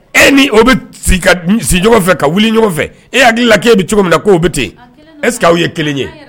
E ni o bɛ si ɲɔgɔn fɛ ka wuli ɲɔgɔn fɛ e hakili la' e bɛ cogo min na ko'o bɛ ten esseke aw ye kelen ye